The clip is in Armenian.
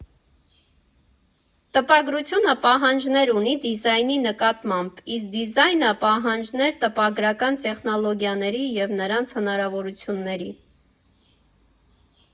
Տպագրությունը պահանջներ ունի դիզայնի նկատմամբ, իսկ դիզայնը՝ պահանջներ տպագրական տեխնոլոգիաների և նրանց հնարավորությունների։